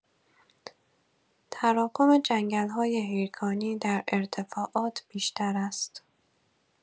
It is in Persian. تراکم جنگل‌های هیرکانی در ارتفاعات بیشتر است.